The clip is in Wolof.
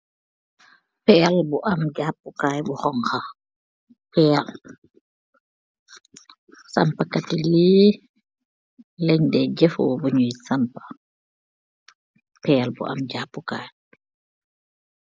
Peel bu aam japukai bu xonxa peel sampa kati lii len deh jefo bu nyui sampa peel bu am japu kai.